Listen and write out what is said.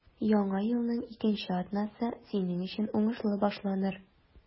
Яңа елның икенче атнасы синең өчен уңышлы башланыр.